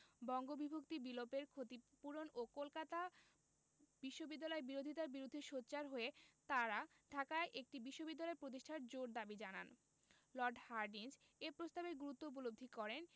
বঙ্গবিভক্তি বিলোপের ক্ষতিপূরণ এবং কলকাতা বিশ্ববিদ্যালয়ের বিরোধিতার বিরুদ্ধে সোচ্চার হয়ে তারা ঢাকায় একটি বিশ্ববিদ্যালয় প্রতিষ্ঠার জোর দাবি জানান লর্ড হার্ডিঞ্জ এ প্রস্তাবের গুরুত্ব উপলব্ধি করেন